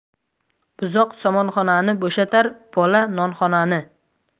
buzoq somonxonani bo'shatar bola nonxonani